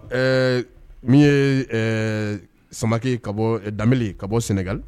Ɛɛ min ye samaki ka bɔ da ka bɔ sɛnɛgali